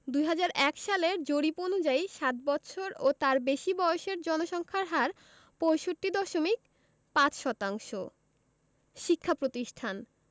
২০০১ সালের জরিপ অনুযায়ী সাত বৎসর ও তার বেশি বয়সের জনসংখ্যার ৬৫.৫ শতাংশ শিক্ষাপ্রতিষ্ঠানঃ